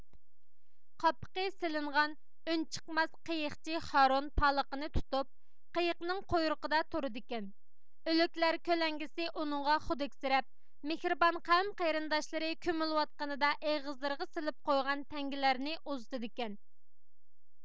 قاپىقى سېلىنغان ئۈنچىقماس قېيىقچى خارون پالىقىنى تۇتۇپ قېيىقنىڭ قۇيرۇقىدا تۇرىدىكەن ئۆلۈكلەر كۆلەڭگىسى ئۇنىڭغا خۇدۈكسىرەپ مېھرىبان قەۋىم قېرىنداشلىرى كۆمۈلۈۋاتقنىدا ئېغىزلىرىغا سېلىپ قويغان تەڭگىلەرنى ئۇزىتىدىكەن